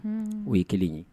O ye kelen ye